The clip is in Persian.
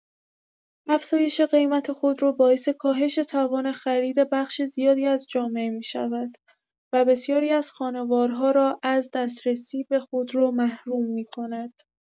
افزایش قیمت خودرو باعث کاهش توان خرید بخش زیادی از جامعه می‌شود و بسیاری از خانوارها را از دسترسی به خودرو محروم می‌کند.